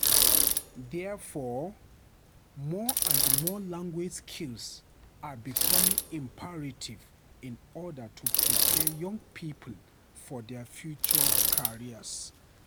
Therefore more and more, language skills are becoming imperative in order to prepare young people for their future careers.